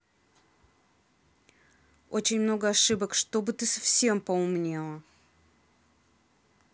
очень много ошибок чтобы ты совсем поумнела